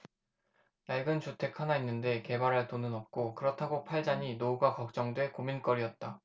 낡은 주택 하나 있는데 개발할 돈은 없고 그렇다고 팔자니 노후가 걱정돼 고민거리였다